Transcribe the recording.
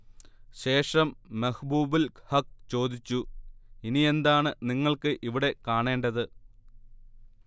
ശേഷം മെഹ്ബൂബുൽ ഹഖ് ചേദിച്ചു: ഇനിയെന്താണ് നിങ്ങൾക്ക് ഇവിടെ കാണേണ്ടത്